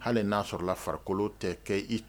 Hali n'a sɔrɔ farikolo tɛ kɛ